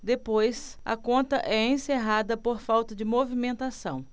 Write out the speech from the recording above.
depois a conta é encerrada por falta de movimentação